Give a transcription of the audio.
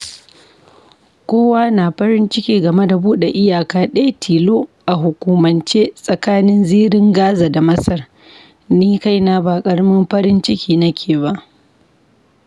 Kowa na farin ciki game da buɗe iyaka ɗaya tilo a hukumance tsakanin Zirin Gaza da Masar; ni kaina ba ƙaramin farin cikin nake ba.